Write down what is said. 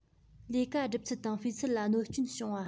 ལས ཀ སྒྲུབ ཚད དང སྤུས ཚད ལ གནོད སྐྱོན བྱུང བ